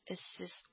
Эзсез